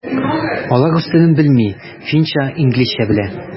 Алар рус телен белми, финча, инглизчә белә.